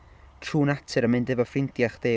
trwy natur yn mynd efo ffrindiau chdi.